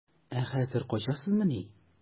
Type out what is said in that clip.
Ә хәзер качасызмыни?